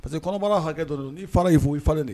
Parce que kɔnɔbɔ hakɛ dɔrɔn ni y' fɔ i falen de